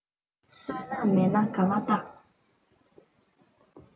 བསོད ནམས མེད ན ག ལ རྟག